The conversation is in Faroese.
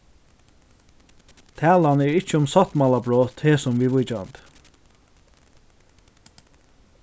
talan er ikki um sáttmálabrot hesum viðvíkjandi